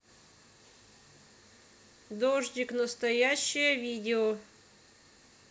дождик настоящее видео